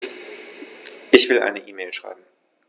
Ich will eine E-Mail schreiben.